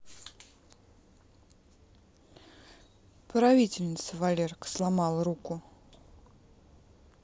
правительница валерка сломала руку